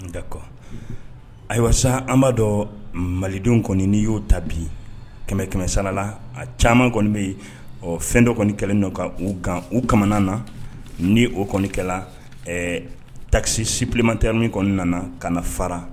Nka ayiwa san an b'a dɔn malidenw kɔni ni y'o tabi kɛmɛ kɛmɛ sala a caman kɔni bɛ yen ɔ fɛn dɔ kɔni kɛlen ka uu u ka na ni o kɔnikɛla takisisiplematɛrin kɔni nana ka na fara